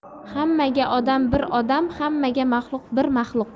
hamma odam bir odam hamma maxluq bir maxluq